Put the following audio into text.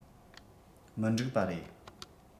མི འགྲིག པ རེད